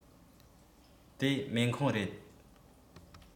དེ སྨན ཁང རེད